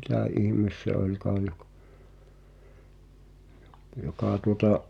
mitä ihme se olikaan -- joka tuota